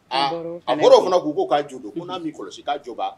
Aa a moriw fana k' b'o ka judo n' min kɔlɔsi k'a jɔba